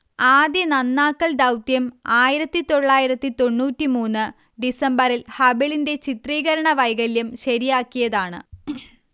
ആദ്യ നന്നാക്കൽ ദൗത്യം ആയിരത്തി തൊള്ളായിരത്തി തൊണ്ണൂറ്റി മൂന്ന് ഡിസംബറിൽ ഹബിളിന്റെ ചിത്രീകരണ വൈകല്യം ശരിയാക്കിയതാണ്